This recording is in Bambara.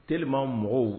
Tlima mɔgɔw